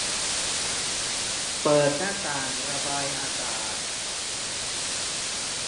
เปิดหน้าต่างระบายอากาศ